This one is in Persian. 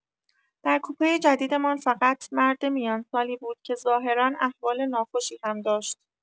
در کوپۀ جدیدمان فقط مرد میانسالی بود که ظاهرا احوال ناخوشی هم داشت.